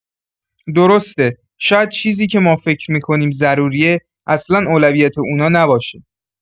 درسته، شاید چیزی که ما فکر می‌کنیم ضروریه، اصلا اولویت اونا نباشه.